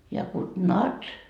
ja god natt